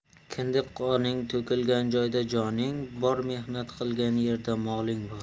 kindik qoning to'kilgan joyda joning bor mehnat qilgan yerda moling bor